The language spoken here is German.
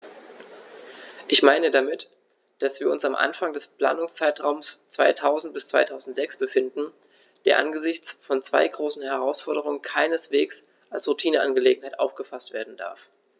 Ich meine damit, dass wir uns am Anfang des Planungszeitraums 2000-2006 befinden, der angesichts von zwei großen Herausforderungen keineswegs als Routineangelegenheit aufgefaßt werden darf.